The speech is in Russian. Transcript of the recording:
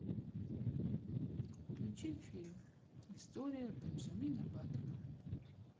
включи фильм история бенджамина баттона